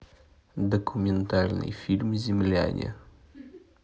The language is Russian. документальный фильм земляне